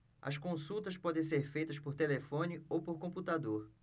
as consultas podem ser feitas por telefone ou por computador